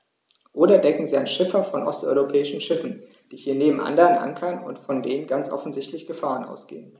Oder denken Sie an Schiffer von osteuropäischen Schiffen, die hier neben anderen ankern und von denen ganz offensichtlich Gefahren ausgehen.